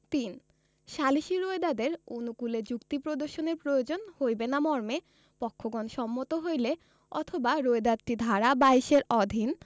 ৩ সালিসী রোয়েদাদের অনুকূলে যুক্তি প্রদর্শনের প্রয়োজন হইবে না মর্মে পক্ষগণ সম্মত হইলে অথবা রোয়েদাদটি ধারা ২২ এর অধীন